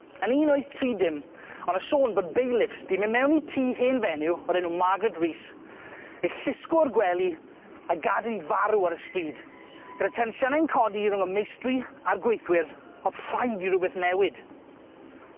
Yn un wyth tri dim, o' 'na sôn bod bailifs 'di myn' mewn i tŷ hen fenyw o'r enw Margaret Rees ei llusgo o'r gwely, a'i gad'el i farw ar y stryd, gyda tensiynau'n codi rwng y meistri a'r gweithwyr, o'dd rhaid i rwbeth newid.